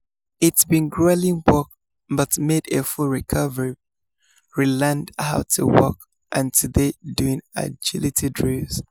Its been grueling work but made a full recovery, re-learned how to walk and today doing agility drills!